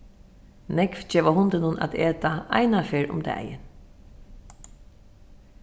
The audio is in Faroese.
nógv geva hundinum at eta einaferð um dagin